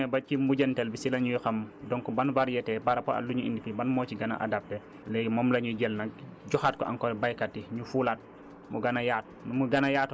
donc buñ demee ba ci mujjantal bi si la ñuy xam donc ban variété par rapport ak lu ñu indi fii ban moo ci gën a adapté léegi moom la ñuy jël nag joxaat ko encore baykat yi ñu fulaat mu gën a yaatu